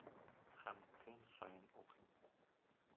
Һәм көн саен укыйм.